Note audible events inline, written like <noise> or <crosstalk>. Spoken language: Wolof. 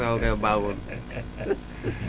Sow kay baaxul <laughs>